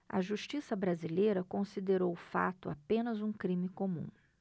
a justiça brasileira considerou o fato apenas um crime comum